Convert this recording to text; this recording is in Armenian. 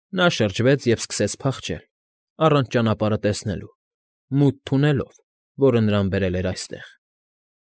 Նա շրջվեց և սկսեց փախչել, առանց ճանապահրը տեսնելու, մութ թունելով, որը նրան բերել էր այստեղ։